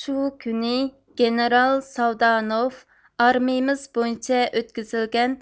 شۇ كۈنى گېنېرال ساۋدانوف ئارمىيىمىز بويىچە ئۆتكۈزۈلگەن